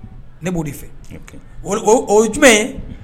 Ne b'o de fɛ o ye jumɛn ye